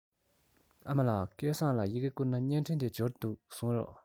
ཨ མ ལགས སྐལ བཟང ལ ཡི གེ བསྐུར ན བརྙན འཕྲིན དེ འབྱོར འདུག གསུངས རོགས